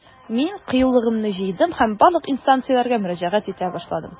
Мин кыюлыгымны җыйдым һәм барлык инстанцияләргә мөрәҗәгать итә башладым.